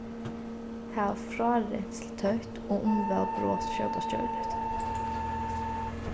hav frárensl tøtt og umvæl brot skjótast gjørligt